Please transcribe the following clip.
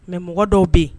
Mais mɔgɔ dɔw be yen